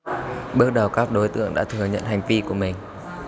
bước đầu các đối tượng đã thừa nhận hành vi của mình